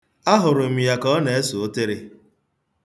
Ahụrụ m ya ka ọ na-ese ụtịrị.